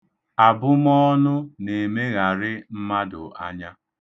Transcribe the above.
Abụmọọnụ na-emegharị mmadụ anya.